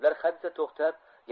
ular hadesa to'xtab